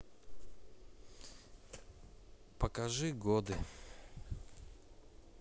покажи годы